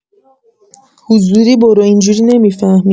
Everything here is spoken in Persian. حضوری برو اینجوری نمی‌فهمی